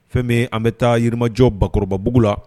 Fɛn min an bɛ taa yirilimajɔ bakɔrɔbaba bbugu la